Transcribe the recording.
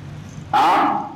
Aa